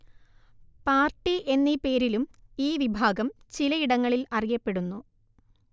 party എന്നീ പേരിലും ഈ വിഭാഗം ചിലയിടങ്ങളിൽ അറിയപ്പെടുന്നു